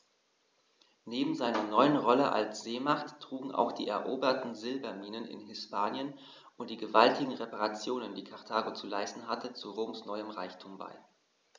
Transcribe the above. Neben seiner neuen Rolle als Seemacht trugen auch die eroberten Silberminen in Hispanien und die gewaltigen Reparationen, die Karthago zu leisten hatte, zu Roms neuem Reichtum bei.